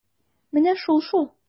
Менә шул-шул!